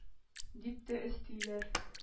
– дип тә өстиләр.